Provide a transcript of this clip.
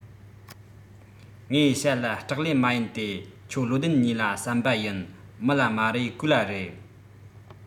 ངེད བྱ ལ སྐྲག ལེ མ ཡིན ཏེ ཁྱོད བློ ལྡན གཉིས ལ བསམས པ ཡིན མི ལ མ རེ གོས ལ རེ